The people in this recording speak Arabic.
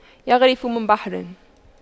يَغْرِفُ من بحر